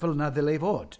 Fel 'na ddyle hi fod.